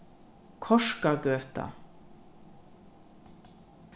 korkagøta